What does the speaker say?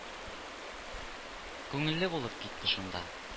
Күңелле булып китте шунда